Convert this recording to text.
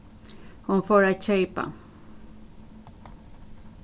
hon fór at keypa